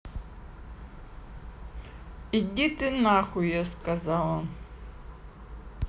иди ты нахуй я сказала